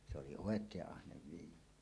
se oli oikein ahne viinalle